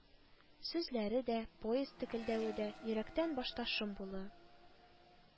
Сүзләре дә, поезд текелдәве дә, йөрәктән башта шом булып